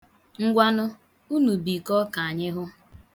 Ngwanụ, unu bikọọ ka anyị hụ.